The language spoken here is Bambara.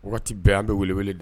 Wagati bɛɛ an be welewele da